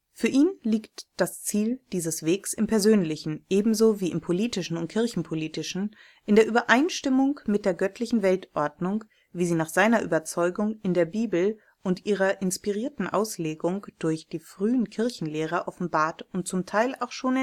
Für ihn liegt das Ziel dieses Wegs im Persönlichen (ebenso wie im Politischen und Kirchenpolitischen) in der Übereinstimmung mit der göttlichen Weltordnung, wie sie nach seiner Überzeugung in der Bibel und ihrer inspirierten Auslegung durch die frühen Kirchenlehrer offenbart und zum Teil auch schon